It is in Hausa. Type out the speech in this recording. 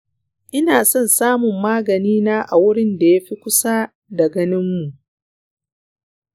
ina son samun maganina a wurin da ya fi kusa da garinmu.